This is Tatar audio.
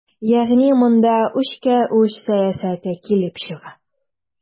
Ягъни монда үчкә-үч сәясәте килеп чыга.